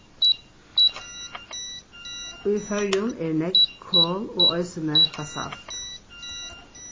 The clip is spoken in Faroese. í føroyum er nógv kol og eisini basalt